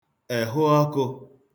ẹ̀hụọkụ̄